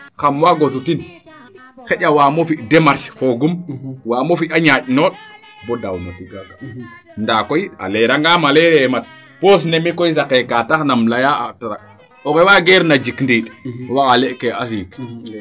xam waago sutin xaƴa waamo fi demarche foogum waamo fi a ñaaƴ noond bo daaw no tigaga ndaa koy a leera ngama leere mat poos ne mi koy saqe kaa taxna im leyaa a tracteur oxe wageerna jek ɗiiɗ waxaale ke a siik